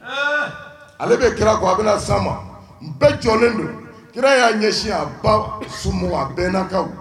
Ale bɛ kira kɔ a bɛ na sa ma n bɛɛ jɔlen don kira y'a ɲɛsin a ba suugan bɛɛnakaw